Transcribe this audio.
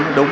đúng